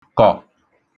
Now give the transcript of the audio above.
kọ̀